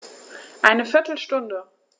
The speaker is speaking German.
Eine viertel Stunde